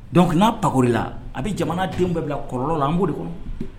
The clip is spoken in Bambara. Donc n'a pakori la a bɛ jamanadenw bɛɛ bila kɔlɔlɔn la an n b'o de kɔnɔ.